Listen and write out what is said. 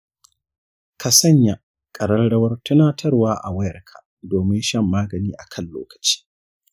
ka sanya ƙararrawar tunatarwa a wayarka domin shan magani a kan lokaci.